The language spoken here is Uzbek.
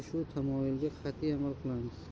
shu tamoyilga qat'iy amal qilamiz